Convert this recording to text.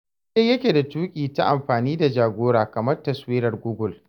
Daidai yake da tuƙi ta amfani da jagora kamar Taswirar Google.